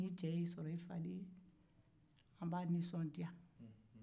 ni cɛ y'i sɔrɔ fade ye a b'a nisɔndiya